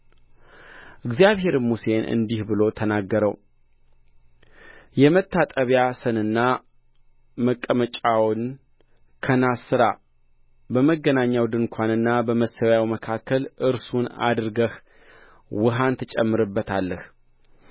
እግዚአብሔርም ሙሴን እንዲህ ብሎ ተናገረው የመታጠቢያ ሰንና መቀመጫውን ከናስ ሥራ በመገናኛው ድንኳንና በመሠዊያው መካከል እርሱን አድርገህ ውኃን ትጨምርበታለህ